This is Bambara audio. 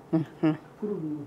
Un